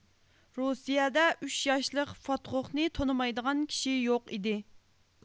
رۇسىيەدە ئۈچ ياشلىق فاتغوقنى تونۇمايدىغان كىشى يوق ئىدى